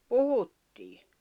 puhuttiin